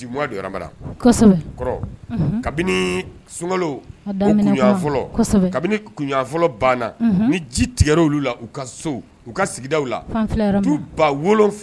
Kabini sunka kabini kun fɔlɔ banna ni ji tigɛ la u ka so u ka sigida la du ba wolo